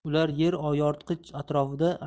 ular yer yoritqich atrofida